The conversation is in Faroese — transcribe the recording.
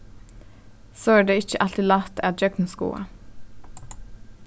so er tað ikki altíð lætt at gjøgnumskoða